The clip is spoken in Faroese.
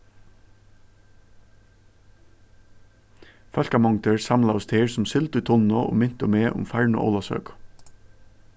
fólkamongdir samlaðust her sum sild í tunnu og mintu meg um farnu ólavsøku